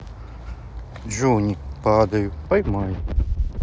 jony падаю поймай